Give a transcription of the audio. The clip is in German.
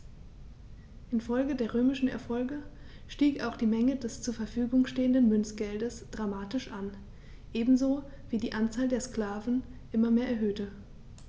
Infolge der römischen Erfolge stieg auch die Menge des zur Verfügung stehenden Münzgeldes dramatisch an, ebenso wie sich die Anzahl der Sklaven immer mehr erhöhte.